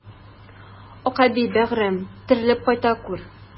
Акъәби, бәгырем, терелеп кайта күр!